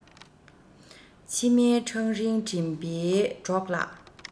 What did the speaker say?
ཕྱི མའི འཕྲང རིང འགྲིམ པའི གྲོགས ལ